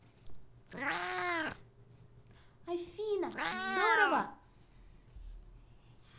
афина здорово